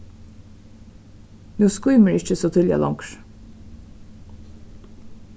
nú skýmir ikki so tíðliga longur